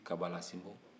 kabalasinbon